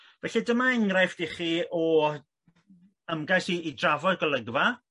Felly dyma engraifft i chi o ymgais i i drafod golygfa.